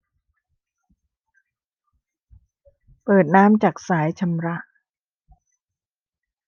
เปิดน้ำจากสายชำระ